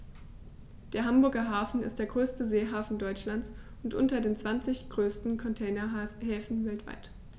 Der Hamburger Hafen ist der größte Seehafen Deutschlands und unter den zwanzig größten Containerhäfen weltweit.